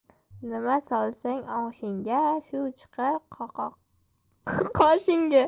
nima solsang oshingga shu chiqar qoshig'ingga